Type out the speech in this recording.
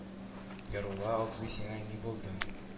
Ярулла абзый сиңа ни булды